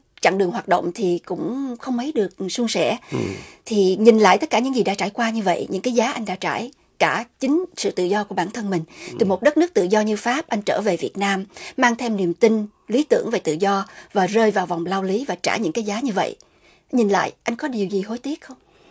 chặng đường hoạt động thì cũng không ấy được suôn sẻ thì nhìn lại tất cả những gì đã trải qua như vậy nhưng cái giá anh đã trải cả chính sự tự do của bản thân mình từ một đất nước tự do như pháp anh trở về việt nam mang thêm niềm tin lý tưởng và tự do và rơi vào vòng lao lý và trả những cái giá như vậy nhìn lại anh có điều gì hối tiếc